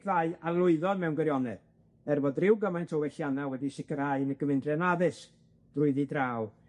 ddau a lwyddodd mewn gwirionedd, er bod ryw gymaint o wellianna' wedi sicrhau yn y gyfundrefn addysg drwyddi draw.